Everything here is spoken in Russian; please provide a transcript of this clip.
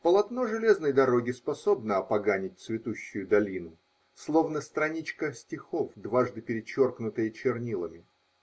Полотно железной дороги способно опоганить цветущую долину -- словно страничка стихов, дважды перечеркнутая чернилами.